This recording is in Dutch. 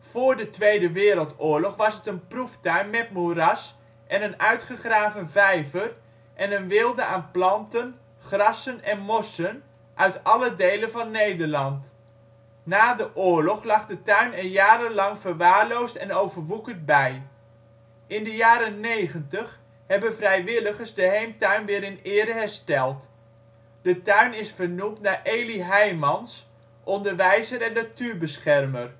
Voor de Tweede Wereldoorlog was het een proeftuin met moeras en een uitgegraven vijver en een weelde aan planten, grassen en mossen uit alle delen van Nederland. Na de oorlog lag de tuin er jarenlang verwaarloosd en overwoekerd bij. In de jaren 90 hebben vrijwiligers de heemtuin weer in ere hersteld. De tuin is vernoemd naar Eli Heimans, onderwijzer en natuurbeschermer